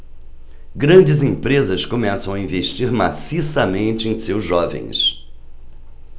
grandes empresas começam a investir maciçamente em seus jovens